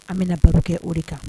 An bɛna baro kɛ o de kan